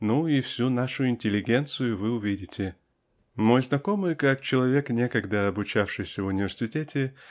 Ну, и всю нашу интеллигенцию вы увидите". Мой знакомый как человек некогда обучавшийся в университете